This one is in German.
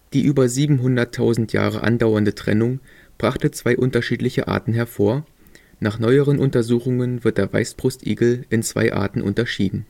Die über 700.000 Jahre andauernde Trennung brachte zwei unterschiedliche Arten hervor, nach neueren Untersuchungen wird der Weißbrustigel in zwei Arten unterschieden